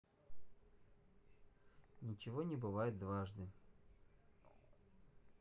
ничего не бывает дважды